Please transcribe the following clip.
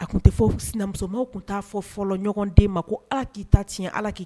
A tun tɛ fɔ sinamuso tun t'a fɔ fɔlɔ ɲɔgɔnden ma ko ala k'i ta tiɲɛ ala